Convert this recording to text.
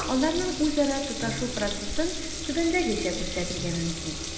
Аларның үзара тоташу процессын түбәндәгечә күрсәтергә мөмкин: